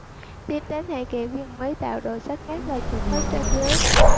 tiếp đến hãy kẻ viền mí tạo độ sắc nét và chuốt mi trên dưới